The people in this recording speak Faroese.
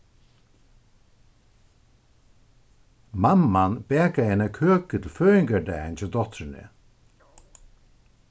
mamman bakaði eina køku til føðingardagin hjá dóttrini